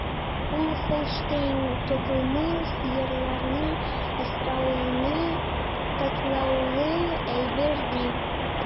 Ул Һолштейн токымлы сыерларны асрауны катлаулы әйбер, ди.